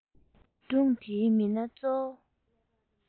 སྒྲུང འདིའི མི སྣ གཙོ བོ